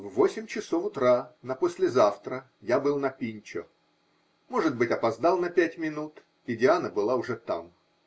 В восемь часов утра, на послезавтра, я был на Пинчо: может быть, опоздал на пять минут, и Диана была уже там.